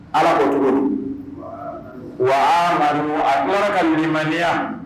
Ala ko jugu wa man a kɛra ka nilimadenyaya